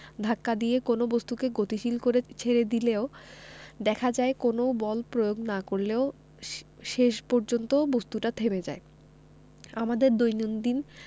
ধাক্কা দিয়ে কোনো বস্তুকে গতিশীল করে ছেড়ে দিলেও দেখা যায় কোনো বল প্রয়োগ না করলেও শেষ পর্যন্ত বস্তুটা থেমে যায় আমাদের দৈনন্দিন